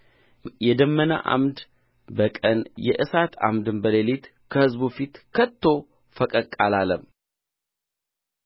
የደመና ዓምድ በቀን የእሳት ዓምድ በሌሊት ከሕዝቡ ፊት ከቶ ፈቀቅ አላለም